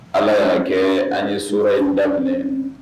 Ala' kɛ an ye su in daminɛ